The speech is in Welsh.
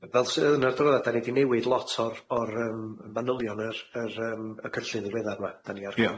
Fel sy yn yr adroddiad 'dan ni 'di newid lot o'r o'r yym manylion yr yr yym y cynllyn ddiweddar 'ma 'dan ni ar